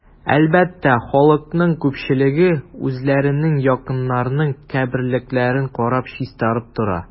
Әлбәттә, халыкның күпчелеге үзләренең якыннарының каберлекләрен карап, чистартып тора.